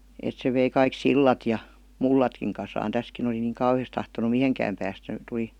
että se vei kaikki sillat ja mullatkin kasaan tässäkin oli niin kauheasti tahtonut mihinkään päästä - tuli